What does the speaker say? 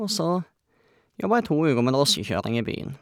Og så jobba jeg to uker med drosjekjøring i byen.